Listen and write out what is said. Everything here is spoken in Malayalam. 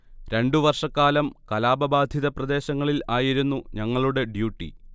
രണ്ടു വർഷക്കാലം കലാപബാധിത പ്രദേശങ്ങളിൽ ആയിരുന്നു ഞങ്ങളുടെ ഡ്യൂട്ടി